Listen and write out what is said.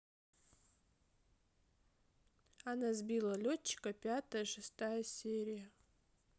она сбила летчика пятая шестая серия